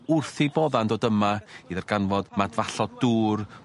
wrth ei bodda'n dod yma i ddarganfod madfallod dŵr